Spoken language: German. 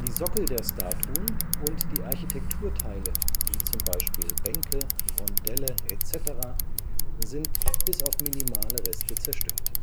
Sockel der Statuen und die Architekturteile (Bänke, Rondelle etc.) sind bis auf minimale Reste zerstört